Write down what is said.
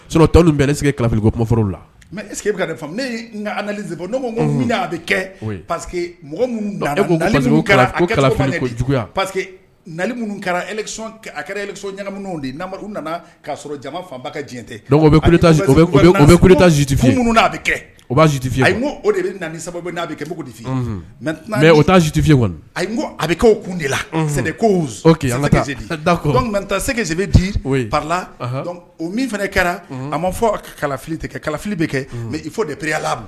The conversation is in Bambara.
Tɔn bɛ sigifili koforo la mɛ ne n ka bɔ'a bɛ kɛ jugu pali minnu kɛra a kɛrasɔn ɲaga de amadumadu nana'a sɔrɔ jama fanba ka diɲɛ tɛ zutifinye minnu'a bɛ kɛ osufiye a ye o de na sababu n'a bɛ kɛ mugu difin mɛ mɛ o taajtifiye a n ko a bɛ kɛ kun de la dase sen di o min fana kɛra a ma fɔ a ka kalafili tigɛ ka kalafili bɛ kɛ i fɔ deere la